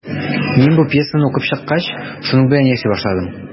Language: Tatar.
Мин бу пьесаны укып чыккач, шуның белән яши башладым.